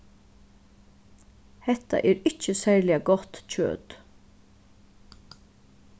hetta er ikki serliga gott kjøt